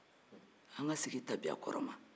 an ka segin tabiya kɔrɔ ma